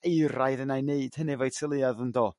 euraidd yna i neud hynny efo'u teuluoedd yndo?